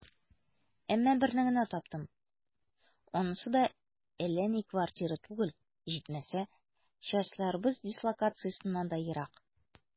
Әмма берне генә таптым, анысы да әллә ни квартира түгел, җитмәсә, частьләребез дислокациясеннән дә ерак.